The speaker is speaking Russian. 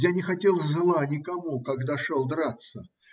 Я не хотел зла никому, когда шел драться.